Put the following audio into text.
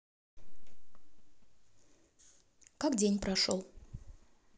как день прошел